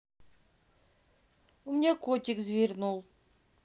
у меня котик зевнул